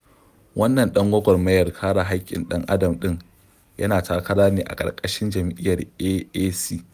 Wannan ɗan gwagwarmayar kare haƙƙin ɗan'adam ɗin yana takara ne a ƙarƙashin jam'iyyar AAC.